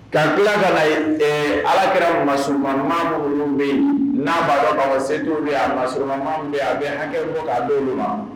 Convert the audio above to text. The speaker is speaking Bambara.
Ka tila ka na, ɛɛ alakira masuruma maa minnu bɛ yen, unhun; n'a b'a don k'a fɔ ko se tɛ olu ye a masuruna maa minnu bɛ yen ,a bɛ hakɛ bɔ k'a di olu ma.